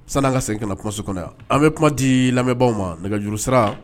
San'an ka sgin ka na kumaso kɔnɔ yan, an bɛ kuma dii lamɛnbaaw ma nɛgɛjuru sira